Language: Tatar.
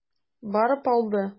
Барып алды.